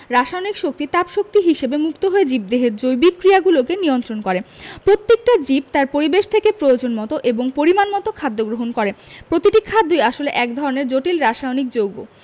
রাসায়নিক শক্তি তাপ শক্তি হিসেবে মুক্ত হয়ে জীবদেহের জৈবিক ক্রিয়াগুলোকে নিয়ন্ত্রন করে প্রত্যেকটা জীব তার পরিবেশ থেকে প্রয়োজনমতো এবং পরিমাণমতো খাদ্য গ্রহণ করে প্রতিটি খাদ্যই আসলে এক ধরনের জটিল রাসায়নিক যৌগ